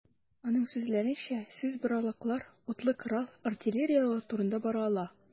Аның сүзләренчә, сүз боралаклар, утлы корал, артиллерия турында бара ала.